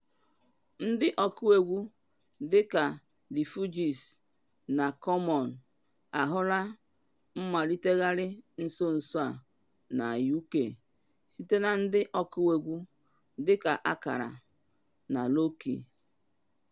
Ndị ọkụegwu dị ka The Fugees na Common ahụla mmalitegharị nso nso a na UK site na ndị ọkụegwu dị ka Akala na Lowkey.